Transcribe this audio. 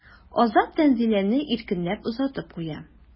Азат Тәнзиләне иркенләп озатып куя.